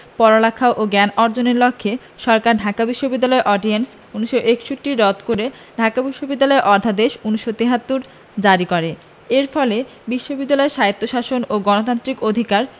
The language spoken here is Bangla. পড়ালেখা ও জ্ঞান অর্জনের লক্ষ্যে সরকার ঢাকা বিশ্ববিদ্যালয় অর্ডিন্যান্স ১৯৬১ রদ করে ঢাকা বিশ্ববিদ্যালয় অধ্যাদেশ ১৯৭৩ জারি করে এর ফলে বিশ্ববিদ্যালয়ের স্বায়ত্তশাসন ও গণতান্ত্রিক অধিকার